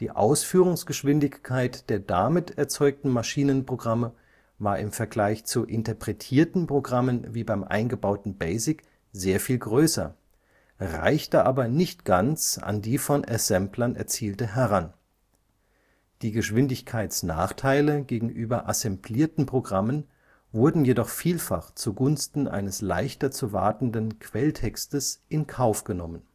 Ausführungsgeschwindigkeit der damit erzeugten Maschinenprogramme war im Vergleich zu interpretierten Programmen wie beim eingebauten BASIC sehr viel größer, reichte aber nicht ganz an die von Assemblern erzielte heran. Die Geschwindigkeitsnachteile gegenüber assemblierten Programmen wurden jedoch vielfach zugunsten eines leichter zu wartenden Quelltextes in Kauf genommen